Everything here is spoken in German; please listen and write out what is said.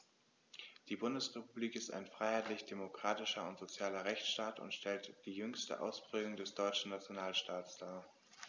Die Bundesrepublik ist ein freiheitlich-demokratischer und sozialer Rechtsstaat und stellt die jüngste Ausprägung des deutschen Nationalstaates dar.